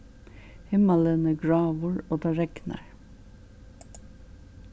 himmalin er gráur og tað regnar